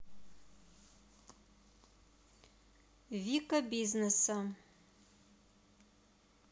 вика бизнеса